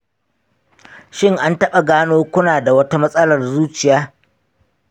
shin an taɓa gano kuna da wata matsalar zuciya?